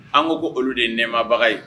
An ko ko olu de ye nɛɛmabaga ye